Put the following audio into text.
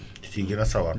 di ci gën a sawar